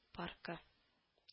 Паркы